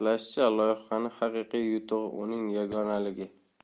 haqiqiy yutug'i uning yagonaligi